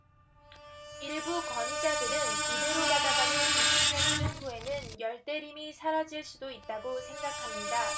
일부 권위자들은 이대로 가다가는 이십 년쯤 후에는 열대림이 사라질 수도 있다고 생각합니다